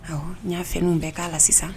Ɔ n y'a fɛnw bɛɛ k'a la sisan